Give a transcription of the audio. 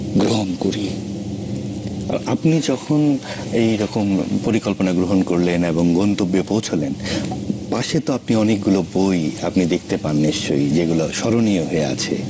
গ্রহণ করি আপনি যখন এরকম পরিকল্পনা গ্রহণ করলেন এবং গন্তব্যে পৌছলেন পাশে তো আপনি অনেকগুলো বই আপনি দেখতে পান নিশ্চয়ই যে গুলো স্মরণীয় হয়ে আছে